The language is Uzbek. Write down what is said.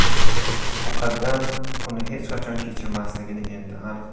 muqaddam uni hech qachon kechirmasligini endi aniq